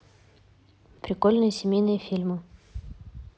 прикольные семейные фильмы